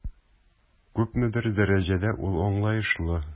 Күпмедер дәрәҗәдә ул аңлаешлы.